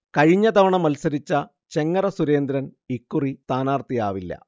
കഴിഞ്ഞതവണ മത്സരിച്ച ചെങ്ങറ സുരേന്ദ്രൻ ഇക്കുറി സ്ഥാനാർഥിയാവില്ല